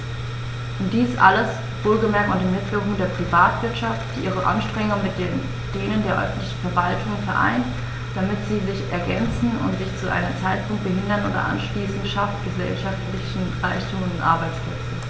Und dies alles - wohlgemerkt unter Mitwirkung der Privatwirtschaft, die ihre Anstrengungen mit denen der öffentlichen Verwaltungen vereint, damit sie sich ergänzen und sich zu keinem Zeitpunkt behindern oder ausschließen schafft gesellschaftlichen Reichtum und Arbeitsplätze.